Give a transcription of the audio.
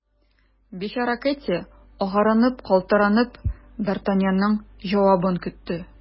Бичара Кэтти, агарынып, калтырана-калтырана, д’Артаньянның җавабын көтте.